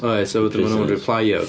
Wyt a wedyn ma' nhw'n replyio